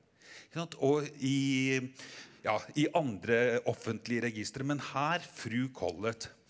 ikke sant og i ja i andre offentlige registre men her er fru Collett.